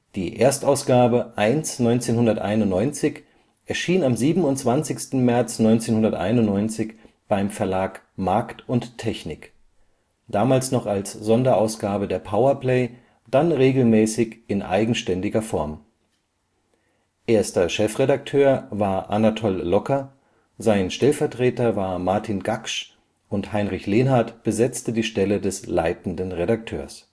Die Erstausgabe 1/1991 erschien am 27. März 1991 beim Verlag Markt & Technik; damals noch als Sonderausgabe der Power Play, dann regelmäßig in eigenständiger Form. Erster Chefredakteur war Anatol Locker, sein Stellvertreter war Martin Gaksch und Heinrich Lenhardt besetzte die Stelle des leitenden Redakteurs